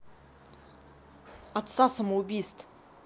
отца самоубийц